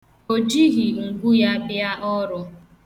O jighi ngwu ya bịa ọrụ.